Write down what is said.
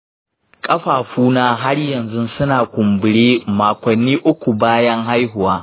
ƙafafuna har yanzu suna kumbure makonni uku bayan haihuwa.